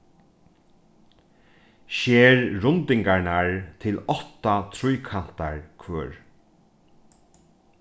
sker rundingarnar til átta tríkantar hvør